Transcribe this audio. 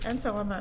An sɔgɔma